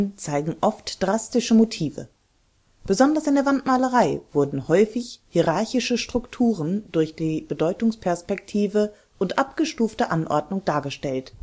zeigen oftmals drastische Motive. Besonders in der Wandmalerei wurden häufig hierarchische Strukturen durch die Bedeutungsperspektive und abgestufte Anordnung dargestellt